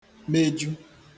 meju